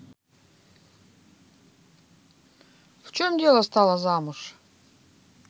в чем дело стало замуж